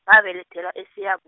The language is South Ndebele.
ngabelethelwa eSiyabu-.